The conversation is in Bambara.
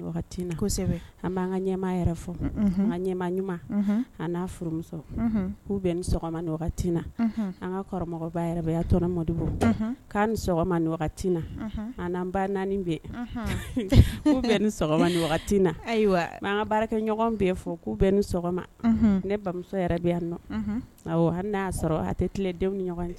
An b'an ka an ɲɛma ɲuman an n'a furumuso k'u bɛ ni sɔgɔma ni na an ka karamɔgɔ yɛrɛya t mɔdi k'an ni sɔgɔma ni na an'an ba naani bɛ k'u bɛ ni sɔgɔma ni na ayiwa anan ka baarakɛ ɲɔgɔn bɛ fɔ k'u bɛn ni sɔgɔma ne bamuso yɛrɛ bɛ yan nɔ hali n'a sɔrɔ a tɛ tile denw ni ɲɔgɔn ye